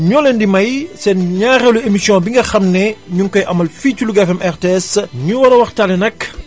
ñoo leen di may seen ñaareelu émission bi nga xam ne ñu ngi koy amal fii ci Louga FM RTS ñu war a waxtaanee nag